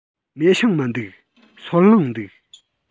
མེ ཤིང མི འདུག སོལ རླངས འདུག